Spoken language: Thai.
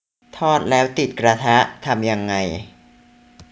ทอดแล้วติดกระทะทำยังไง